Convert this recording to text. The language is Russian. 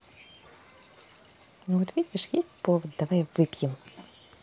ну вот видишь есть повод давай выпьем